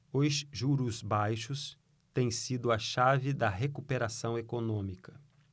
os juros baixos têm sido a chave da recuperação econômica